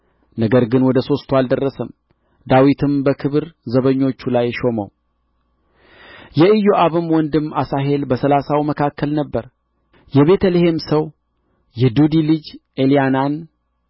ነገር ግን ወደ ሦስቱ አልደረሰም ዳዊትም በክብር ዘበኞቹ ላይ ሾመው የኢዮአብም ወንድም አሣሄል በሠላሳው መካከል ነበረ የቤተ ልሔም ሰው የዱዲ ልጅ ኤልያናን